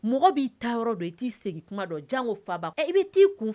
Mɔgɔ b'i ta yɔrɔ i t'i fa i' kun